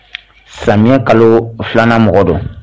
Samiyɛ kalo filanan mɔgɔ don